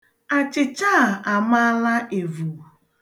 Achịcha a amaala evu.